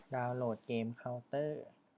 ดาวโหลดเกมเค้าเตอร์